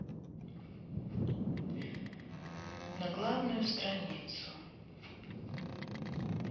на главную страницу